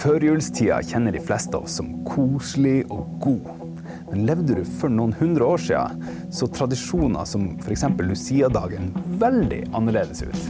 førjulstida kjenner de fleste av oss som koselig og god, men levde du for noen 100 år sia, så tradisjoner som f.eks. Luciadagen veldig annerledes ut.